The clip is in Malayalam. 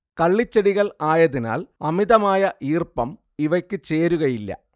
കള്ളിച്ചെടികൾ ആയതിനാൽ അമിതമായ ഈർപ്പം ഇവക്കു ചേരുകയില്ല